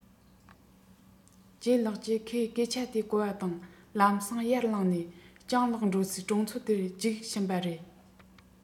ལྗད ལགས ཀྱིས ཁོའི སྐད ཆ དེ གོ བ དང ལམ སེང ཡར ལངས ནས སྤྱང ལགས འགྲོ སའི གྲོང ཚོ དེར རྒྱུགས ཕྱིན པ རེད